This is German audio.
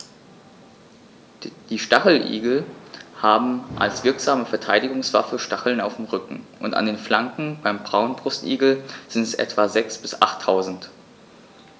Die Stacheligel haben als wirksame Verteidigungswaffe Stacheln am Rücken und an den Flanken (beim Braunbrustigel sind es etwa sechs- bis achttausend).